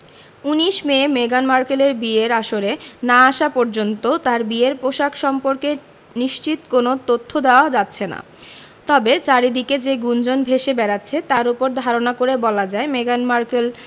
১৯ May মেগান মার্কেলের বিয়ের আসরে না আসা পর্যন্ত তাঁর বিয়ের পোশাক সম্পর্কে নিশ্চিত কোনো তথ্য দেওয়া যাচ্ছে না তবে চারদিকে যে গুঞ্জন ভেসে বেড়াচ্ছে তার ওপর ধারণা করে বলা যায় মেগান মার্কেল